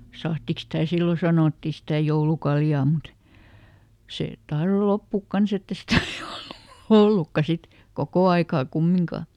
sahdiksi sitä silloin sanottiin sitä joulukaljaa mutta se tahtoi loppua kanssa että ei sitä niin ollut ollutkaan sitten koko aikaa kumminkaan